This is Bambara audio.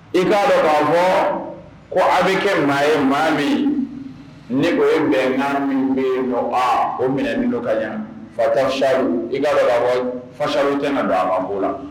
I'a dɔn'a bɔ ko a bɛ kɛ nka a ye maa min ni o ye mɛ' min bɛ fɔ aa o minɛ dɔ ka ɲɛ fa sa i'aa fa sa tɛ don a mao la